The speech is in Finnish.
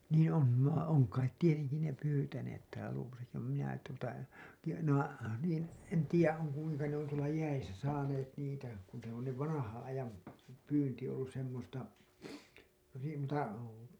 niin on - on kai tietenkin ne pyytäneet täällä Luodossakin vaan minä tuota tiedä ne on niin en tiedä on kuinka ne on tuolla jäissä saaneet niitä kun se on ne vanhan ajan pyynti ollut semmoista niin tuota